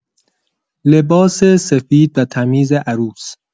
لباس سفید و تمیز عروس